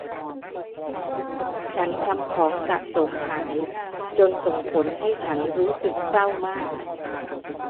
ฉันทำของสะสมหายจนส่งผลให้ฉันรู้สึกเศร้ามาก